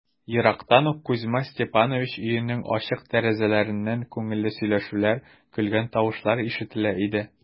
Ерактан ук Кузьма Степанович өенең ачык тәрәзәләреннән күңелле сөйләшүләр, көлгән тавышлар ишетелә иде.